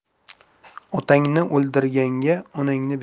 otangni o'ldirganga onangni ber